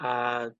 a